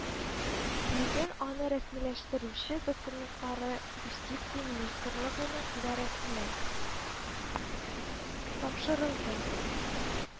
Бүген аны рәсмиләштерүче документлары Юстиция министрлыгының идарәсенә тапшырылды